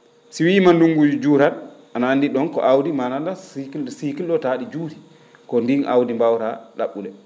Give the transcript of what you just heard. si wiyiima ndunngu juurat anO anndi ?oon ko aawdi ma andan?a cycle de cycle oo taa ?i juuri ko ndiin aawdi mbaawaraa ?a??ude